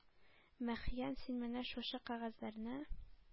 Мәхьян, син менә шушы кәгазьләрне